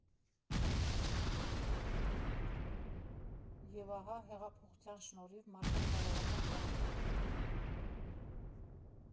Եվ ահա, հեղափոխության շնորհիվ մարդիկ կարողացան դա անել։